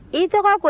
i tɔgɔ ko di